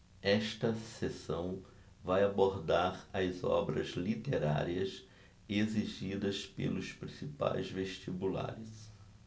esta seção vai abordar as obras literárias exigidas pelos principais vestibulares